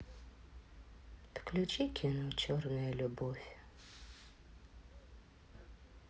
включи кино черная любовь